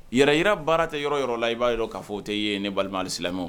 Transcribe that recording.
Yɛrɛ yira baara tɛ yɔrɔ yɔrɔ la i b'a yɔrɔ k'a fɔ tɛ ye ni balima silamɛmɛ